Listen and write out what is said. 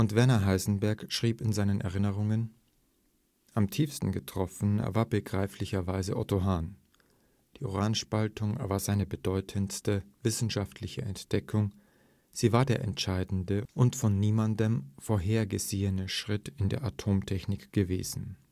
Werner Heisenberg schreibt in seinen Erinnerungen: „ Am tiefsten getroffen war begreiflicherweise Otto Hahn. Die Uranspaltung war seine bedeutendste wissenschaftliche Entdeckung, sie war der entscheidende und von niemandem vorhergesehene Schritt in die Atomtechnik gewesen